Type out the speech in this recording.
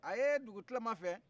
a ye dugutilama fɛ